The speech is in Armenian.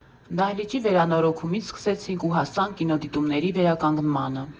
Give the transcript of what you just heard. Դահլիճի վերանորոգումից սկսեցինք ու հասանք կինոդիտումների վերականգնմանը։